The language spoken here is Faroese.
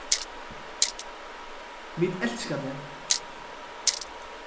vit elska teg